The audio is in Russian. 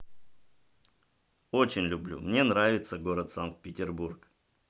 очень люблю мне нравится город санкт петербург